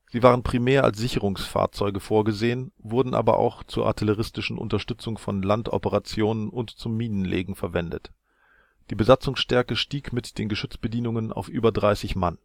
Sie waren primär als Sicherungsfahrzeuge vorgesehen, wurden aber auch zur artilleristischen Unterstützung von Landoperationen und zum Minenlegen verwendet. Die Besatzungsstärke stieg mit den Geschützbedienungen auf über 30 Mann